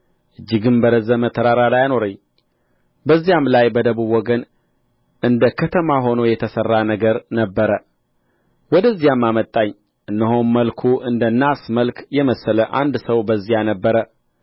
እጅግም በረዘመ ተራራ ላይ አኖረኝ በዚያም ላይ በደቡብ ወገን እንደ ከተማ ሆኖ የተሠራ ነገር ነበረ ወደዚያም አመጣኝ እነሆም መልኩ እንደ ናስ መልክ የመሰለ አንድ ሰው በዚያ ነበረ